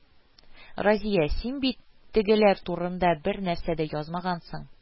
Разия, син бит тегеләр турында бернәрсә дә язмагансың